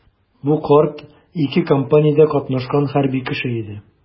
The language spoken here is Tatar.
Бу карт ике кампаниядә катнашкан хәрби кеше иде.